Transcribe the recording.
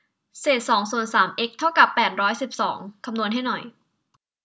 เศษสองส่วนสามเอ็กซ์เท่ากับแปดร้อยสิบสองคำนวณให้หน่อย